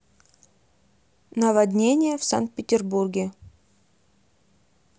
наводнение в санкт петербурге